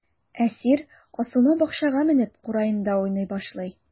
Әсир асылма бакчага менеп, кураенда уйный башлый.